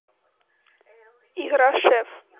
игра шеф